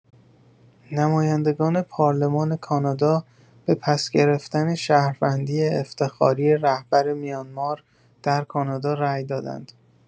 نمایندگان پارلمان کانادا به پس‌گرفتن شهروندی افتخاری رهبر میانمار در کانادا رای دادند.